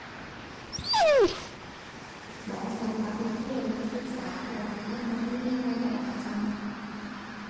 เหมาะสำหรับนักเรียน นักศึกษา เพราะว่ายังบ่ทันมีรายได้ประจำ